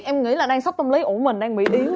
em nghĩ là đang sốc tâm lý của mình đang bị yếu